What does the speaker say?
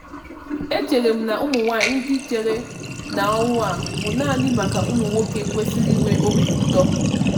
E chere m na ụmụnwaanyị ndị chere na ọrụ a bụ naanị maka ụmụnwoke kwesịrị inwe obi ụtọ.